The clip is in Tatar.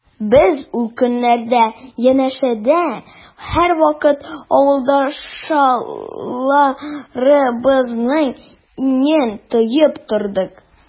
Без ул көннәрдә янәшәдә һәрвакыт авылдашларыбызның иңен тоеп тордык.